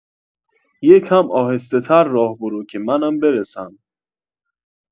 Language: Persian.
یه کم آهسته‌تر راه برو که منم برسم